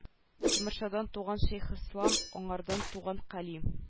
Тимершадан туган шәйхелислам аңардан туган кәлим